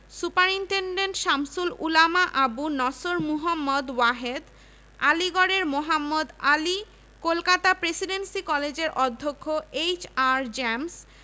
superintendent Shamsul Ulama Abu Nasr Muhammad Wahed আলীগড়ের Mohammad Ali Kolkata Presidency কলেজের অধ্যক্ষ এইচ.আর জেমস